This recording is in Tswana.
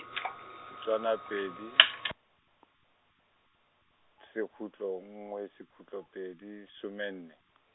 tswana pedi, sekhutlo nngwe, sekhutlo pedi, some nne.